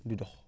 du dox